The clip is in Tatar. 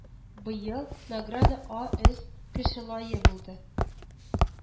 Быйыл награда а өс кеше лайы булды